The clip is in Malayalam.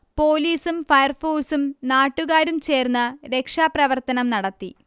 പോലീസും ഫയർഫോഴ്സും നാട്ടുകാരും ചേർന്ന് രക്ഷാപ്രവർത്തനം നടത്തി